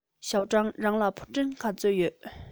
ཞའོ ཀྲང རང ལ ཕུ འདྲེན ག ཚོད ཡོད